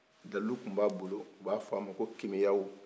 dawulu dɔ tun b'a bolo u b'a f'ama ko kimiyawu